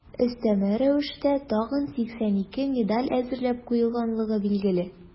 Өстәмә рәвештә тагын 82 медаль әзерләп куелганлыгы билгеле.